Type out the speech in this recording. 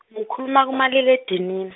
ngikhuluma kumaliledinini .